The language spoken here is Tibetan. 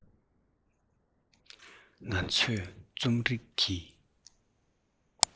ང ཚོས རྩོམ རིག གི